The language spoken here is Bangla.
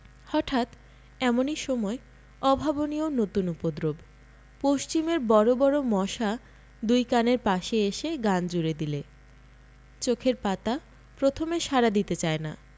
হঠাৎ এমনি সময় অভাবনীয় নতুন উপদ্রব পশ্চিমের বড় বড় মশা দুই কানের পাশে এসে গান জুড়ে দিলে চোখের পাতা প্রথমে সাড়া দিতে চায় না